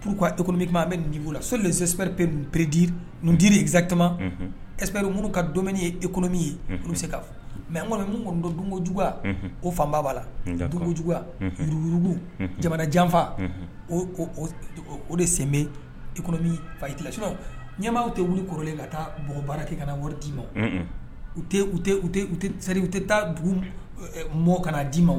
Puruur emi kuma bɛ nin' la so sɛprippered ndirizti espriunu ka don ye e kɔnɔmi ye olu se k ka mɛ kɔni minnu kɔni don dunkojugu ko fanba b'a la dukojuguuruugu jamana janfa o o de sen bɛ e kɔnɔ fa i kilasi ɲɛmaaw tɛ wuli kɔrɔlen ka taa bɔ baara kɛ ka na wari' ma u tɛ taa dugu mɔ kana di ma